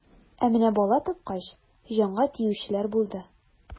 Ә менә бала тапкач, җанга тиючеләр булды.